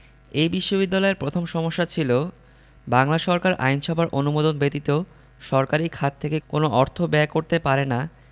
এ বিশ্ববিদ্যালয়ের প্রথম সমস্যা ছিল বাংলা সরকার আইনসভার অনুমোদন ব্যতীত সরকারি খাত থেকে কোন অর্থ ব্যয় করতে পারে না